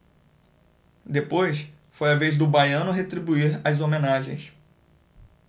depois foi a vez do baiano retribuir as homenagens